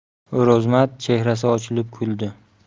o'rozmat chehrasi ochilib kuldi